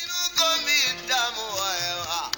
Tuloko min da ye wa